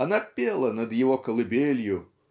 она пела над его колыбелью